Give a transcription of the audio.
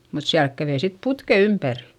mutta siellä kävi sitten putket ympäri